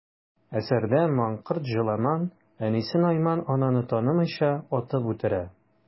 Әсәрдә манкорт Җоламан әнисе Найман ананы танымыйча, атып үтерә.